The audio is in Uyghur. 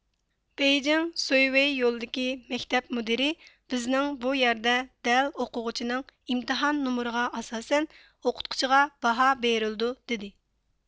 بېيجىڭ سۇيۋېي يولدىكى مەكتەپ مۇدىرى بىزنىڭ بۇ يەردە دەل ئوقۇغۇچىنىڭ ئىمتىھان نومۇرىغا ئاساسەن ئوقۇتقۇچىغا باھا بېرىلىدۇ دېدى